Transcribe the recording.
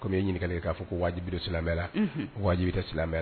Comme i ye ɲininkali kɛ k'a fɔ ko waajibi do silamɛya la unhun waajibi tɛ silamɛyala